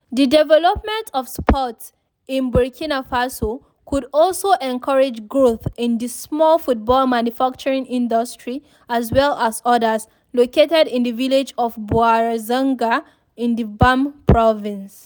The development of sports in Burkina Faso could also encourage growth in the small football manufacturing industry (as well as others) located in the village of Bourzanga in the Bam province.